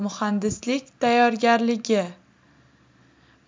muhandislik tayyorgarligi